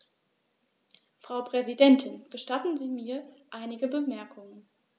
Frau Präsidentin, gestatten Sie mir einige Bemerkungen.